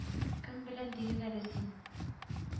Кем белән диген әле син